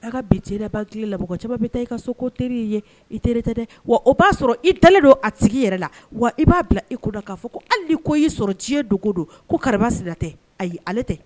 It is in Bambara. I ka bin ci dɛ ba ki labɔ ko cɛba bɛ i ka so ko terir ye i tɛ dɛ wa o b'a sɔrɔ i dalen don a sigi yɛrɛ la wa i b'a bila i koda'a fɔ ko hali ko y'i sɔrɔ ci dogo don ko sira tɛ ayi ale tɛ